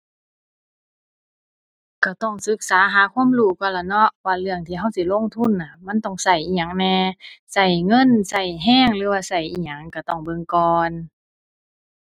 ก็ต้องศึกษาหาความรู้ก่อนล่ะเนาะ ว่าเรื่องที่ก็สิลงทุนน่ะ มันต้องก็อิหยังแหน่ ก็เงิน ก็ก็ หรือว่าก็อิหยังก็ต้องเบิ่งก่อน